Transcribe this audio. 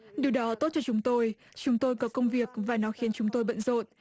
điều đó tốt cho chúng tôi chúng tôi có công việc và nó khiến chúng tôi bận rộn